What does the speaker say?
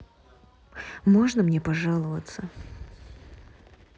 можно мне пожаловаться